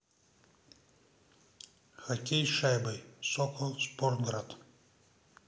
хоккей с шайбой сокол спортград